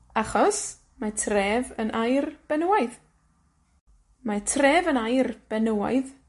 Achos mae tref yn air benywaidd. Mae tref yn air benywaidd.